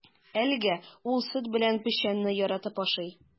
Әлегә ул сөт белән печәнне яратып ашый.